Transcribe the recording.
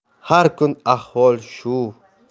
har kun ahvol shu